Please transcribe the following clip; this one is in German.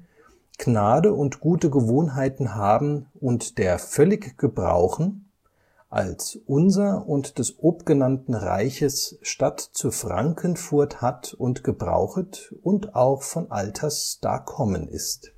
Gnade und gute Gewohnheiten haben und der völlig gebrauchen, als Unser und des obgenannten Reiches Stadt zu Franckenfurt hat und gebrauchet und auch von alters darkommen ist